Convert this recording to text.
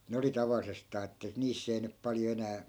ne oli tavallisestaan että niissä ei nyt paljon enää